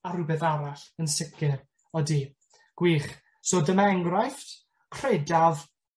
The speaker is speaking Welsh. a rwbeth arall, yn sicir, odi, gwych so dyna enghraifft credaf